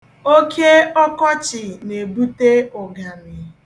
Oke ọkọchị na-ebute ụganị.